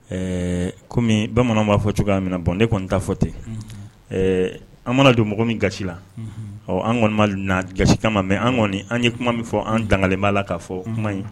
Ɛɛ kɔmi bamananw b'a fɔ cogoya min na bɔn ne kɔni da fɔ ten an mana don mɔgɔ min gasi la ɔ an kɔni gasi kama mɛ an kɔni an ye kuma min fɔ an dangale b'a la k kaa fɔ kuma ɲi